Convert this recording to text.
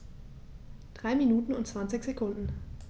3 Minuten und 20 Sekunden